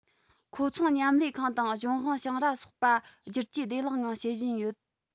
མཁོ འཚོང མཉམ ལས ཁང དང གཞུང དབང ཞིང ར སོགས པ བསྒྱུར བཅོས བདེ བླག ངང བྱེད བཞིན ཡོད